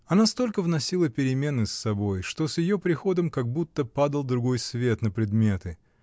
Она столько вносила перемены с собой, что с ее приходом как будто падал другой свет на предметы